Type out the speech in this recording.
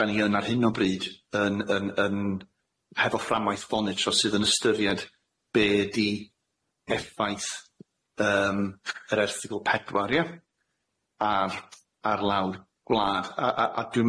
dan ni yn ar hyn o bryd yn yn yn hefo fframwaith fonitro sydd yn ystyried be' di effaith yym yr erthygl pedwar ie ar ar lawr gwlad a- a- a- dwi'n